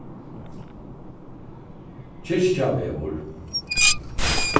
kirkjavegur